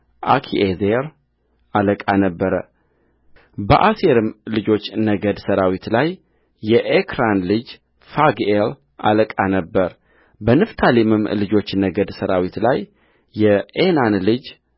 አኪዔዘር አለቃ ነበረበአሴርም ልጆች ነገድ ሠራዊት ላይ የኤክራን ልጅ ፋግኤል አለቃ ነበረበንፍታሌምም ልጆች ነገድ ሠራዊት ላይ የዔናን ልጅ